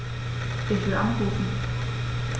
Ich will anrufen.